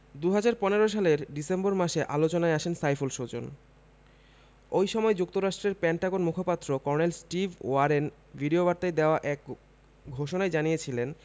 ২০১৫ সালের ডিসেম্বর মাসে আলোচনায় আসেন সাইফুল সুজন ওই সময় যুক্তরাষ্ট্রের পেন্টাগন মুখপাত্র কর্নেল স্টিভ ওয়ারেন ভিডিওবার্তায় দেওয়া এক ঘোষণায় জানিয়েছিলেন